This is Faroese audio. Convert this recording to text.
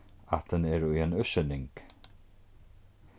ættin er í ein útsynning